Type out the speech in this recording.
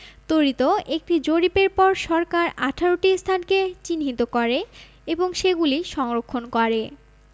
তরিত একটি জরিপের পর সরকার ১৮টি স্থানকে চিহ্নিত করে এবং সেগুলি সংরক্ষণ করে